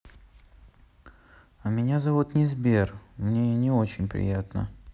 а меня зовут не сбер мне не очень приятно